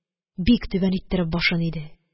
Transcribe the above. Бик түбән иттереп башын иде.